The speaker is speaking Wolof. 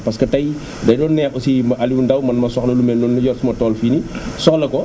parce que tey da doon neex aussi ma Aliou Ndao man ma soxla lu mel noonu yor sama tool fii nii soxla ko